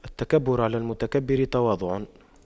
التكبر على المتكبر تواضع